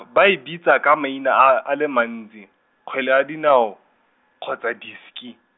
ba e bitsa ka maina a l-, a le mantsi, kgwele ya dinao, kgotsa diski.